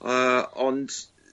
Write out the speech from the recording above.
yy ont